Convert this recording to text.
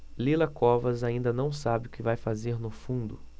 lila covas ainda não sabe o que vai fazer no fundo